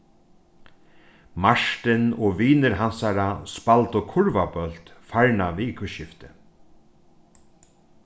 martin og vinir hansara spældu kurvabólt farna vikuskiftið